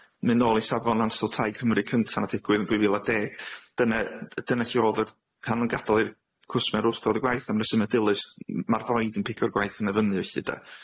Myn' nôl i Safon Ansawdd Tai Cymru cynta nath ddigwydd yn dwy fil a deg, dyne d- dyne lle o'dd yr- pan o nw'n gadal i'r cwsmer wrthod y gwaith am resyme dilys. M- ma'r void yn pigo'r gwaith yno fyny felly 'de.